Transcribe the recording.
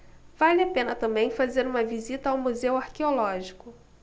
vale a pena também fazer uma visita ao museu arqueológico